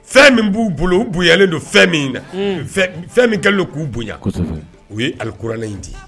Fɛn min b'u bolo, u bonyalen don fɛn min na,. Un! Fɛn fɛn min kɛlen don k'u bonyan. Kosɛbɛ. Uye Alikouranain in de ye.